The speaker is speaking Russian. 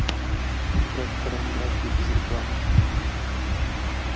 играть в коронографии без рекламы